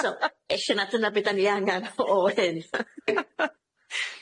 So ella 'na dyna be da ni angan o hyn.